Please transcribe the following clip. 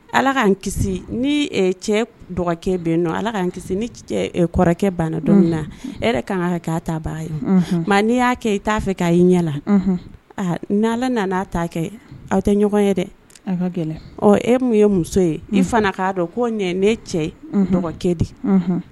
Ala k' ni cɛ dɔgɔ bɛ yen ala k'an ni kɔrɔkɛ banna don min na e ka' ta' ye mɛ n'i y'a kɛ i t'a fɛ k' i ɲɛ la ni ala nana ta kɛ aw tɛ ɲɔgɔn ye dɛ e min ye muso ye i fana k'a dɔn ko ne cɛ dɔgɔ di